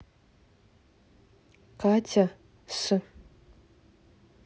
катя с